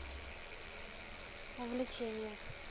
увлечение